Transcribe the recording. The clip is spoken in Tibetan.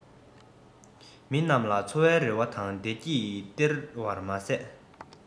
མི རྣམས ལ འཚོ བའི རེ བ དང བདེ སྐྱིད སྟེར བར མ ཟད